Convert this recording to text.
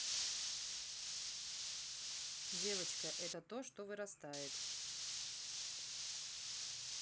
девочка это то что вырастает